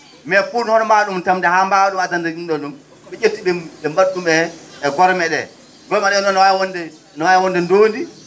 mais pour hono mbaawaa ?um tamde haa mbaawaa addande ?um ?o ?um ?e ?etti ?e mba?i ?um he e gorme ?ee * ne waawi wonde ndoondi